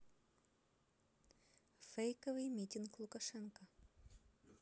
фейковый митинг лукашенко